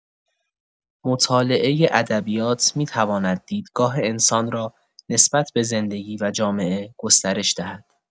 مطالعه ادبیات می‌تواند دیدگاه انسان را نسبت به زندگی و جامعه گسترش دهد.